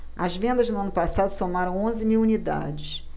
as vendas no ano passado somaram onze mil unidades